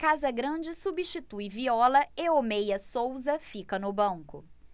casagrande substitui viola e o meia souza fica no banco